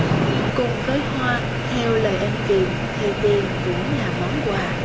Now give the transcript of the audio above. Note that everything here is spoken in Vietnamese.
cùng với hoa theo lời em kiệt thì tiền cũng là món quà